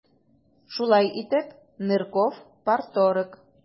Шулай итеп, Нырков - парторг.